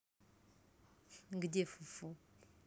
где фу фу